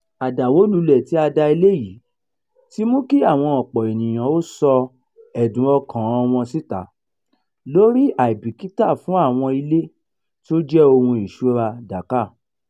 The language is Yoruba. Àdàwólulẹ̀ tí a da ilé yìí ti mú kí àwọn ọ̀pọ̀ ènìyàn ó sọ ẹ̀dùn ọkàn-an wọn síta lórí àìbìkítà fún àwọn ilé tí ó jẹ́ ohun ìṣúra Dhaka.